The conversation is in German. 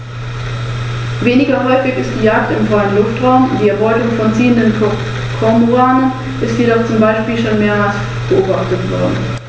Nistplätze an Felsen liegen meist in Höhlungen oder unter Überhängen, Expositionen zur Hauptwindrichtung werden deutlich gemieden.